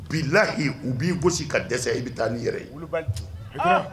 Bi lahi u b'i gosi ka dɛsɛ i bɛ taa n ni yɛrɛ ye